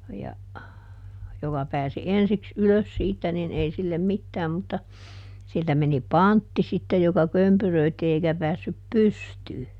ja joka pääsi ensiksi ylös siitä niin ei sille mitään mutta siltä meni pantti sitten joka kömpyröi eikä päässyt pystyyn